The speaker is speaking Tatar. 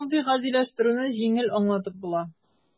Мондый "гадиләштерү"не җиңел аңлатып була: